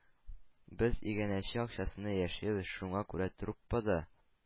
Без иганәче акчасына яшибез, шуңа күрә труппада